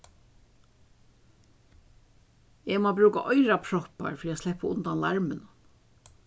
eg má brúka oyraproppar fyri at sleppa undan larminum